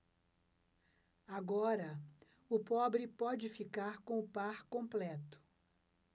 agora o pobre pode ficar com o par completo